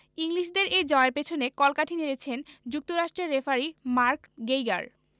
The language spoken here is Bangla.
ইংলিশদের এই জয়ের পেছনে কলকাঠি নেড়েছেন যুক্তরাষ্ট্রের রেফারি মার্ক গেইগার